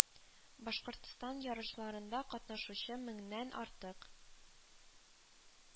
Башкортстан ярышларда катнашучы меңнән артык